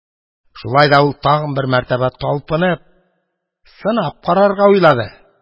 Шулай да тагын бер мәртәбә талпынып, сынап карарга уйлады: